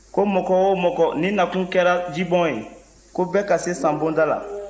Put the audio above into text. ko mɔgɔ o mɔgɔ n'i nakun kɛra jibɔn ye ko bɛɛ ka se sanbonda la